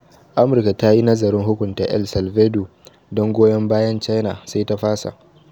Amurka Ta yi Nazarin Hukunta El Salvador Don Goyon Bayan China, Sai ta Fasa